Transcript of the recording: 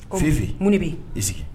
Fifin mun b' ii sigi